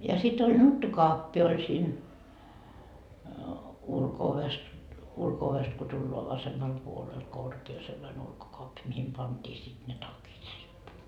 ja sitten oli nuttukaappi oli siinä ulko-ovessa ulko-ovesta kun tullaan vasemmalla puolella korkea sellainen ulkokaappi mihin pantiin sitten ne takit riippui